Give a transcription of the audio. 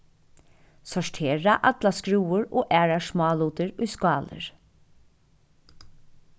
sortera allar skrúvur og aðrar smálutir í skálir